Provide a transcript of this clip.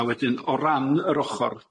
A wedyn o ran yr ochor